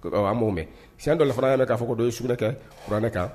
Ko ayiwa an' m'o mɛ siyɛndɔ la fana an y'a mɛ k'a fɔ ko dɔ ye sukunɛ kɛ kuranɛ kan